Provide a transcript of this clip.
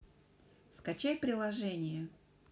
скачай приложение